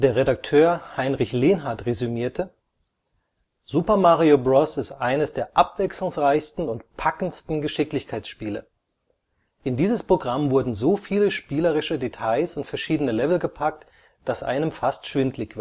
Redakteur Heinrich Lenhardt resümierte: „ Super Mario Bros. ist eines der abwechslungsreichsten und packendsten Geschicklichkeitsspiele […]. In dieses Programm wurden so viele spielerische Details und verschiedene Level gepackt, daß einem fast schwindlig